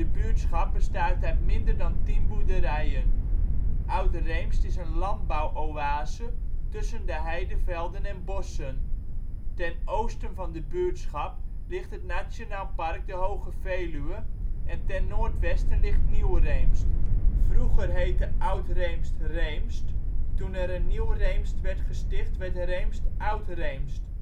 buurtschap bestaat uit minder dan tien boerderijen. Oud-Reemst is een landbouwoase tussen de heidevelden en bossen. Ten oosten van de buurtschap ligt het Nationaal Park De Hoge Veluwe en ten noordwesten ligt Nieuw-Reemst. Vroeger heette Oud-Reemst ' Reemst '. Toen er een nieuw Reemst werd gesticht werd Reemst Oud-Reemst